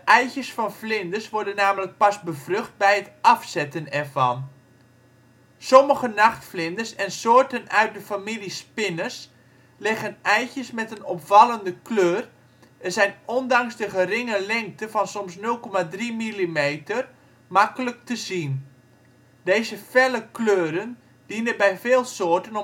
eitjes van vlinders worden namelijk pas bevrucht bij het afzetten ervan. Sommige nachtvlinders en soorten uit de familie spinners leggen eitjes met een opvallende kleur en zijn ondanks de geringe lengte van soms 0,3 millimeter makkelijk te zien. Deze felle kleuren dienen bij veel soorten